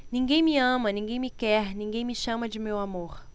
ninguém me ama ninguém me quer ninguém me chama de meu amor